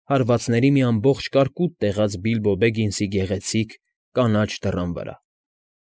Հարվածների մի ամբողջ կարկուտ տեղաց Բիլբո Բեգինսի գեղեցիկ, կանաչ դռան վրա։